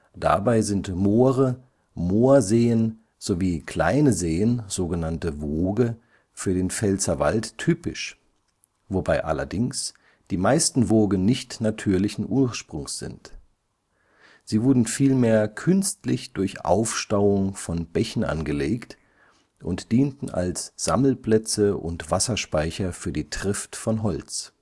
Dabei sind Moore, Moorseen sowie kleine Seen, sogenannte Wooge, für den Pfälzerwald typisch, wobei allerdings die meisten Wooge nicht natürlichen Ursprungs sind. Sie wurden vielmehr künstlich durch Aufstauung von Bächen angelegt und dienten als Sammelplätze und Wasserspeicher für die Trift von Holz